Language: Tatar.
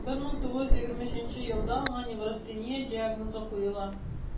1923 елда аңа неврастения диагнозы куела: